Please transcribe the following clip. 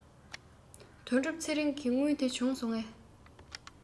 དོན གྲུབ ཚེ རིང གི དངུལ དེ བྱུང སོང ངས